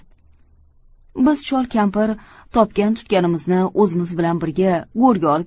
biz chol kampir topgan tutganimizni o'zimiz bilan birga go'rga olib